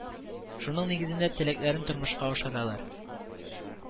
Шуның нигезендә теләкләрен тормышка ашыралар